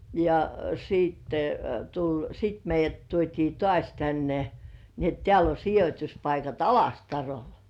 ja sitten tuli sitten meidät tuotiin taas tänne niin että täällä on sijoituspaikat Alastarolla